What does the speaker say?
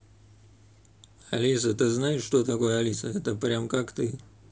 алиса ты знаешь что такое алиса это прям как ты